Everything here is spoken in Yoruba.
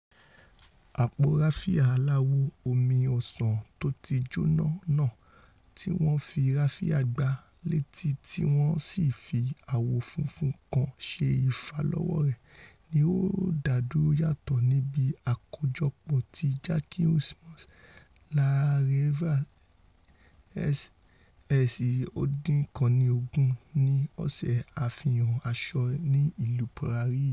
Àpọ raffia aláwọ̀ omi-ọsàn tóti jóna náà, tíwọn fi raffia gbá létí tíwọ́n sì fi awọ funfun kan ṣe ìfàlọ́wọ́ rẹ̀, ni ó dádúró yàtọ̀ níbi àkójọpọ̀ ti Jacquemus' La Riviera SS19 ní Ọ̀sẹ̀ Àfihàn Asọ ní Ìlu Paris.